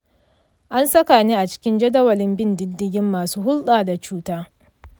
an saka ni a cikin jadawalin bin diddigin masu hulɗa da cuta.